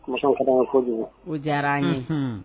kojugu o diyar'an ye unhun